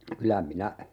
kyllä minä